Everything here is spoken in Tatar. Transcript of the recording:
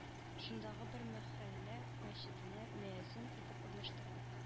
Шундагы бер мәхәллә мәчетенә мөәзин итеп урнаштыра